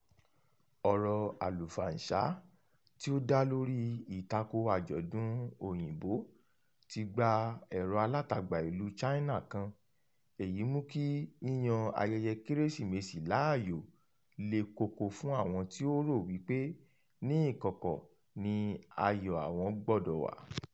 Ọ̀rọ̀ àlùfànṣá tí ó dá lórí ìtako àjọ̀dún Òyìnbó ti gba ẹ̀rọ-alátagbà ìlú China kan, èyí mú kí yíyan ayẹyẹ Kérésìmesì láàyò le koko fún àwọn tí ó rò wípé ní ìkọ̀kọ̀ ni ayọ̀ àwọn gbọdọ̀ wà.